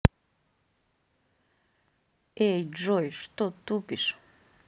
эй джой что тупишь